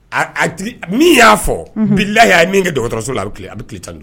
Min y'a fɔ bi'laya ye min kɛ dɔgɔ dɔgɔtɔrɔso la a bɛ tilen a bɛ ki tan don